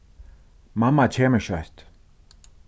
mamma kemur skjótt